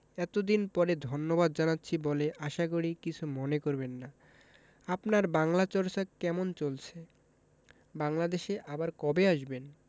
এতদিন পরে ধন্যবাদ জানাচ্ছি বলে আশা করি কিছু মনে করবেন না আপনার বাংলা চর্চা কেমন চলছে বাংলাদেশে আবার কবে আসবেন